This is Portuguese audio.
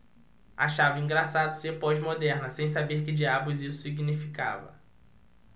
achava engraçado ser pós-moderna sem saber que diabos isso significava